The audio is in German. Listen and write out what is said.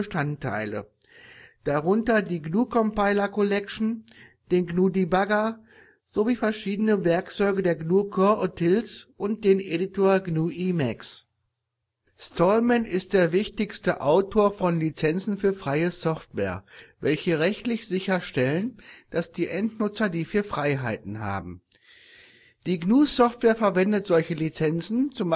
verbreiteten Bestandteile, darunter die GNU Compiler Collection, den GNU Debugger sowie verschiedene Werkzeuge der GNU coreutils und den Editor GNU Emacs. Stallman ist der wichtigste Autor von Lizenzen für Freie Software, welche rechtlich sicherstellen, dass die Endnutzer die Vier Freiheiten haben. Die GNU-Software verwendet solche Lizenzen, z. B.